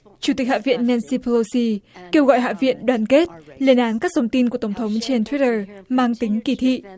chủ tịch hạ viện nan xi pô lê xi kêu gọi hạ viện đoàn kết lên án các thông tin của tổng thống trên thuýt tơ mang tính kỳ thị